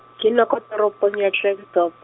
ke nna kwa toropong ya Klerksdorp.